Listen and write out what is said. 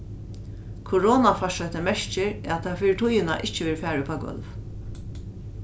koronafarsóttin merkir at tað fyri tíðina ikki verður farið upp á gólv